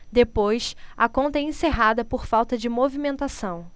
depois a conta é encerrada por falta de movimentação